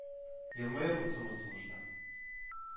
Елмаермын соңгы сулышта».